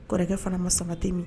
Kɔrɔkɛ fana man